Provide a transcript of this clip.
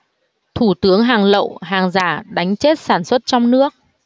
thủ tướng hàng lậu hàng giả đánh chết sản xuất trong nước